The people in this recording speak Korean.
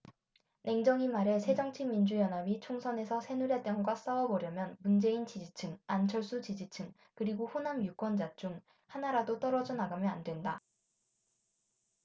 냉정히 말해 새정치민주연합이 총선에서 새누리당과 싸워보려면 문재인 지지층 안철수 지지층 그리고 호남 유권자 중 하나라도 떨어져 나가면 안 된다